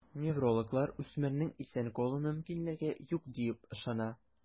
Неврологлар үсмернең исән калу мөмкинлеге юк диеп ышана.